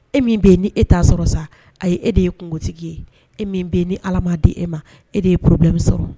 E min be yen ni e ta sɔrɔ sa , ayi e de ye kungotigi ye , e min be yen ni Ala ma di e ma e de ye problème sɔrɔ.